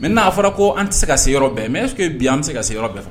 mɛ n'a fɔra ko an tɛ se ka se yɔrɔ bɛɛ mɛ bi an bɛ se ka sigiyɔrɔ bɛɛ